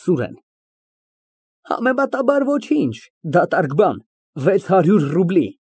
ՍՈՒՐԵՆ ֊ Հավանաբար, ոչինչ, դատարկ բան ֊ վեց հարյուր ռուբլի։